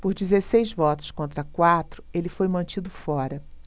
por dezesseis votos contra quatro ele foi mantido fora